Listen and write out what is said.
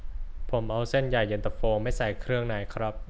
ผมเอาเส้นใหญ่เย็นตาโฟไม่ใส่เครื่องในครับ